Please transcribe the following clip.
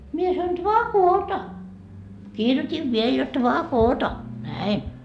minä sanoin dvaa koota kirjoitin vielä jotta dvaa koota näin